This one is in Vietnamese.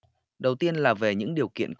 đầu tiên là về những điều kiện